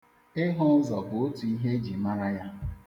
Ịhụ ụzọ bụ otu ihe eji mara ya.